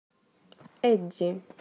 эдди